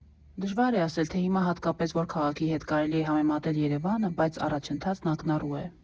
Դժվար է ասել, թե հիմա հատկապես որ քաղաքի հետ կարելի է համեմատել Երևանը, բայց առաջընթացն ակնառու է։